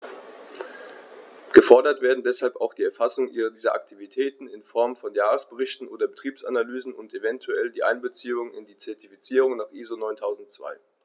Gefordert werden deshalb auch die Erfassung dieser Aktivitäten in Form von Jahresberichten oder Betriebsanalysen und eventuell die Einbeziehung in die Zertifizierung nach ISO 9002.